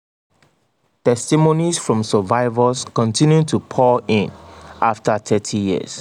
Testimonies from survivors continue to pour in after 30 years.